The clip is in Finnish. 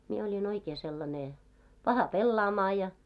minä olin oikein sellainen paha pelaamaan ja